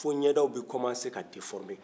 fo ɲɛda b'i commencer ka deformer